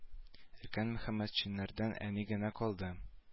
Өлкән мөхәммәтшиннардан әни генә калды